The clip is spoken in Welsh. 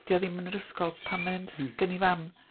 'di o ddim yn yr ysgol, pam mae o'n dysgu gen 'i fam?